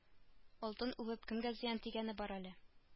Алтын үбеп кемгә зыян тигәне бар әле